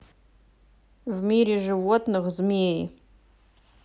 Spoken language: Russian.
в мире животных змеи